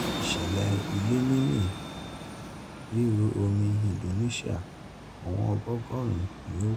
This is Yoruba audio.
ìṣẹlẹ ilẹ mimi riru omi Indonesia: awọn ogogorun ni o ku